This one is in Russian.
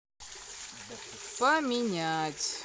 поменять